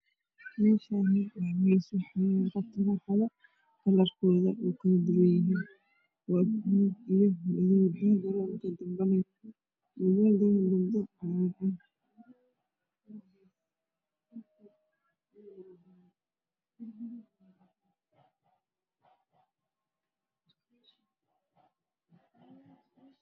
Meeshaani waa miis turaxad kalarkeedu guduud cagaar